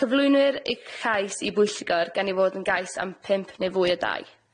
Cyflwynwyr y cais i bwyllgor gan i fod yn gais am pump neu fwy o dai.